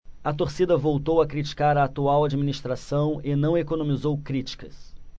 a torcida voltou a criticar a atual administração e não economizou críticas